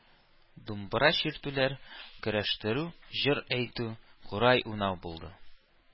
Думбра чиртүләр, көрәштерү, җыр әйтү, курай уйнау булды.